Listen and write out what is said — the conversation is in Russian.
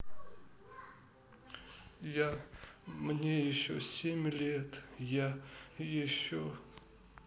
я мне еще семь лет я еще